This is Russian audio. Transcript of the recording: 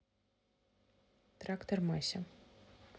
трактор мася